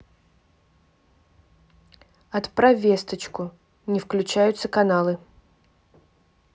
отправь весточку не включаются каналы